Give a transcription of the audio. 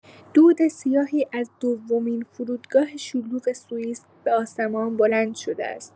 دود سیاهی از دومین فرودگاه شلوغ سوئیس به آسمان بلند شده است.